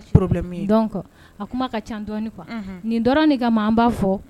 Dɔn a kuma ka ca dɔɔnin kuwa nin dɔɔnin ka b ba fɔ